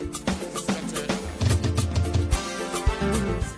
Sanunɛgɛnin